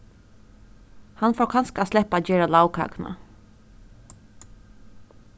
hann fór kanska at sleppa at gera lagkakuna